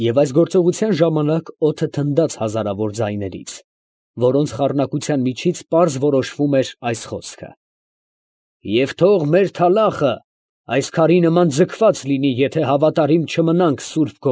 Եվ այս գործողության ժամանակ օդը թնդաց հազարավոր ձայներից, որոնց խառնակության միջից պարզ որոշվում էր այս խոսքը. «Եվ թող մեր թալախը այս քարի նման ձգված լինի, եթե հավատարիմ չմնանք սուրբ։